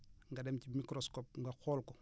nga dem ci microscobe nga xool ko